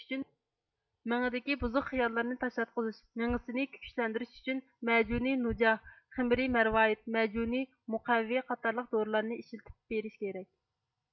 مېڭىدىكى بۇزۇق خىياللارنى تاشلاتقۇزۇش مېڭىسىنى كۈچلەندۈرۈش ئۈچۈن مەجۇنى نۇجاھ خىمىرى مەرۋايىت مەجۇنى مۇقەۋۋى قاتارلىق دورىلارنى ئىشلىتىپ بېرىش كېرەك